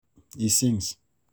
He sings: